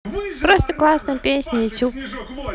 просто классная песня youtube